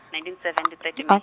nineteen seventy thirty May.